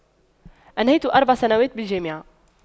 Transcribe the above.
أنهيت أربع سنوات بالجامعة